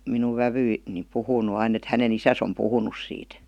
minun vävy niin puhuu - aina että hänen isänsä on puhunut siitä